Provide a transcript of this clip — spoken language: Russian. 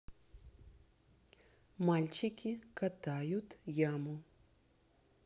мальчики катают яму